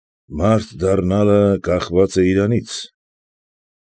Մարդ դառնալը կախված է իրանից։